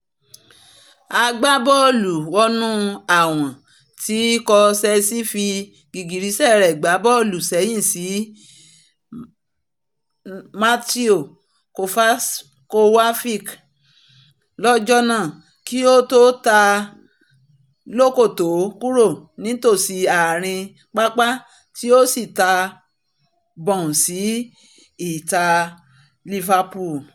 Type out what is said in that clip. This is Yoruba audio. Agbábọ́ọ̀lùwọnú-àwọ̀n ti ikọ̀ Chealse fi gìgìrísẹ̀ rẹ̀ gbá bọ́ọ̀lu sẹ́yìn sí Mateo Kovacic lọ́jọ́ náà, kí ó tó ta á lóókòtó kúrò nítòsí ààrín pápá tí ó sì ta á bọ̀ùn sí ìhà Liverpool.